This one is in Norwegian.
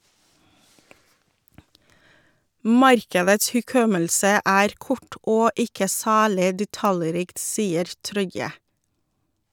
- Markedets hukommelse er kort og ikke særlig detaljrikt, sier Troye.